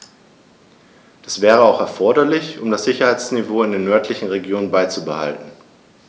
Das wäre auch erforderlich, um das Sicherheitsniveau in den nördlichen Regionen beizubehalten.